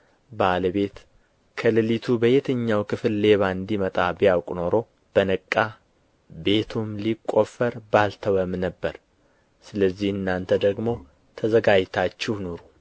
ባለቤት ከሌሊቱ በየትኛው ክፍል ሌባ እንዲመጣ ቢያውቅ ኖሮ በነቃ ቤቱም ሊቈፈር ባልተወም ነበር ስለዚህ እናንተ ደግሞ ተዘጋጅታችሁ ኑሩ